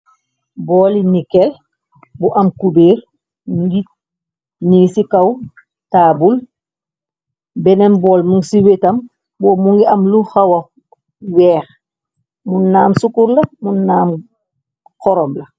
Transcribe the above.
Bóóli nikkel bu am kupeer ngi ni si kaw tabull, benen bóól mug ci wettam bob mugii am lu xawa wèèx, mum na am sukarr mum na am xorom la.